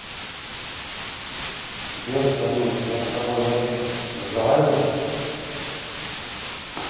сбер салют я с тобой вообще разговариваю